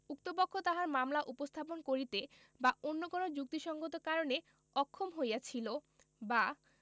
উক্ত পক্ষ তাহার মামলা উপস্থাপন করিতে বা অন্য কোন যুক্তসংগত কারণে অক্ষম হইয়াছিল বা